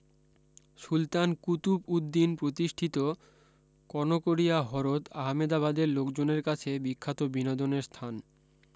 সুলতান কুতুব উদ দিন প্রতিষ্ঠিত কনকরিয়া হরদ আহমেদাবাদের লোকজনের কাছে বিখ্যাত বিনোদনের স্থান